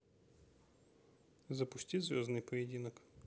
запусти звездный поединок